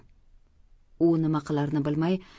u nima qilarini bilmay